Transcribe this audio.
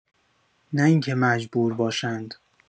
نه اینکه مجبور باشند